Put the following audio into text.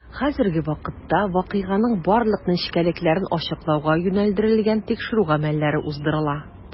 Хәзерге вакытта вакыйганың барлык нечкәлекләрен ачыклауга юнәлдерелгән тикшерү гамәлләре уздырыла.